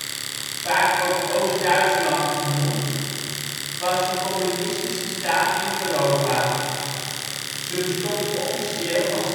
vaak ook Oost-Duitsland genoemd, was een communistische staat in Europa. Ze bestond officieel van